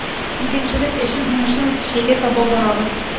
Игенчелек өчен уңышлы нәтиҗәгә таба барабыз.